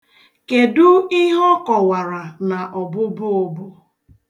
Kedụ ihe ọ kọwara na ọbụbụụ bụ?